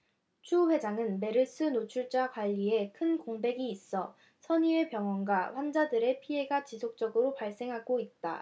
추 회장은 메르스 노출자 관리에 큰 공백이 있어 선의의 병원과 환자들의 피해가 지속적으로 발생하고 있다